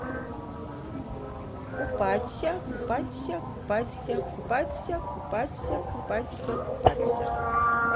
купаться купаться купаться купаться купаться купаться купаться купаться